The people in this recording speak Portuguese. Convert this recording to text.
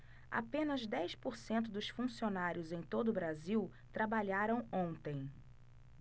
apenas dez por cento dos funcionários em todo brasil trabalharam ontem